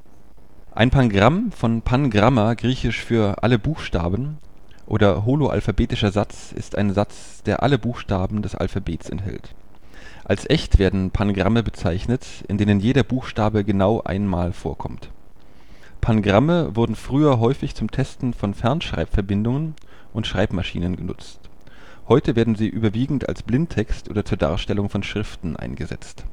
Ein Pangramm (von pan gramma, griechisch für alle Buchstaben) oder holoalphabetischer Satz ist ein Satz, der alle Buchstaben des Alphabets enthält. Als echt werden Pangramme bezeichnet, in denen jeder Buchstabe genau einmal vorkommt. Pangramme wurden früher häufig zum Testen von Fernschreibverbindungen und Schreibmaschinen genutzt, heute werden sie überwiegend als Blindtext oder zur Darstellung von Schriften eingesetzt